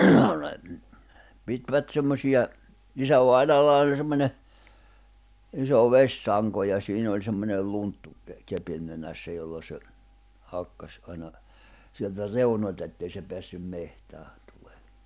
no ne pitivät semmoisia isävainajalla oli semmoinen iso vesisanko ja siinä oli semmoinen lunttu - kepin nenässä jolla se hakkasi aina sieltä reunoilta että ei se päässyt metsään tulemaan